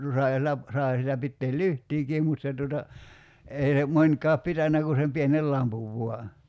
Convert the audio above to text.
no sai siellä sai siellä pitää lyhtyäkin mutta se tuota ei ne monikaan pitänyt kuin sen pienen lampun vain